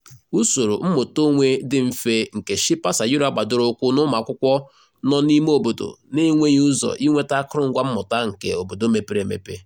Usoro mmụta onwe dị mfe nke Shilpa Sayura gbadoro ụkwụ n'ụmụakwụkwọ nọ n'ime obodo na-enweghị ụzọ inweta akụrụngwa mmụta nke obodo mepere emepe.